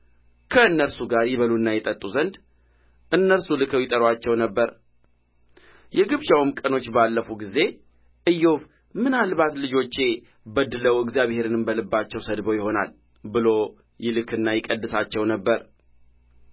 ከእነርሱ ጋር ይበሉና ይጠጡ ዘንድ እነርሱ ልከው ይጠሩአቸው ነበር የግብዣውም ቀኖች ባለፉ ጊዜ ኢዮብ ምናልባት ልጆቼ በድለው እግዚአብሔርንም በልባቸው ሰድበው ይሆናል ብሎ ይልክና ይቀድሳቸው ነበር